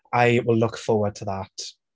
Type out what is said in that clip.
I will look forward to that.